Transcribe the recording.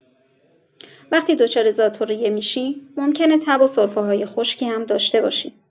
وقتی دچار ذات‌الریه می‌شی، ممکنه تب و سرفه‌های خشکی هم داشته باشی.